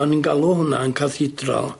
O'n i'n galw hwnna yn cathedral.